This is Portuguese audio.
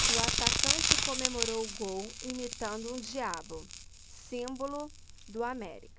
o atacante comemorou o gol imitando um diabo símbolo do américa